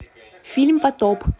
фильм потоп